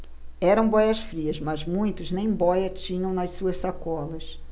eram bóias-frias mas muitos nem bóia tinham nas suas sacolas